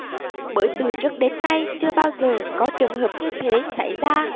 bởi từ trước đến nay chưa bao giờ có trường hợp như thế xảy ra